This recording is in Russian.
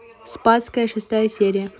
спасская шестая серия